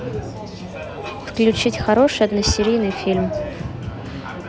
включить хороший односерийный фильм